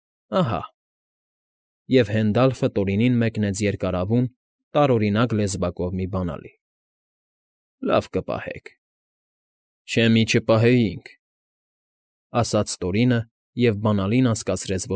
Ահա…֊ Եվ Հենդալֆը Տորինին մեկնեց երկարավուն, տարօրինակ լեզվակով մի բանալի…֊ Լա՛վ կպահեք։ ֊ Չէ մի չպահեինք, ֊ ասաց Տորինը և բանալին անցկացրեց։